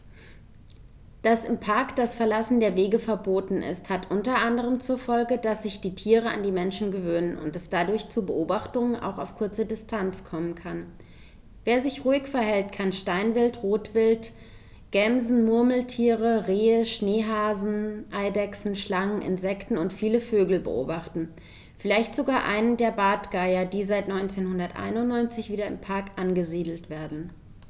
Dass im Park das Verlassen der Wege verboten ist, hat unter anderem zur Folge, dass sich die Tiere an die Menschen gewöhnen und es dadurch zu Beobachtungen auch auf kurze Distanz kommen kann. Wer sich ruhig verhält, kann Steinwild, Rotwild, Gämsen, Murmeltiere, Rehe, Schneehasen, Eidechsen, Schlangen, Insekten und viele Vögel beobachten, vielleicht sogar einen der Bartgeier, die seit 1991 wieder im Park angesiedelt werden.